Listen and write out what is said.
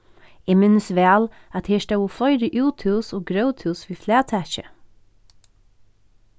eg minnist væl at her stóðu fleiri úthús og gróthús við flagtaki